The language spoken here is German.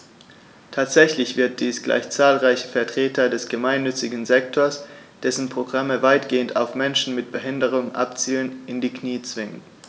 Tatsächlich wird dies gleich zahlreiche Vertreter des gemeinnützigen Sektors - dessen Programme weitgehend auf Menschen mit Behinderung abzielen - in die Knie zwingen.